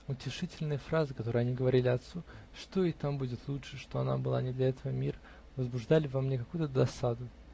Утешительные фразы, которые они говорили отцу -- что ей там будет лучше, что она была не для этого мира, -- возбуждали во мне какую-то досаду.